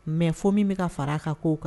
Mais fɔ min bɛ ka fara a ka k'ow kan.